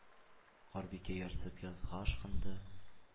Карбикә ярсып язга ашкынды,